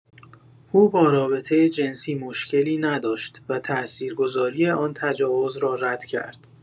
او با رابطه جنسی مشکلی نداشت و تاثیرگذاری آن تجاوز را رد کرد.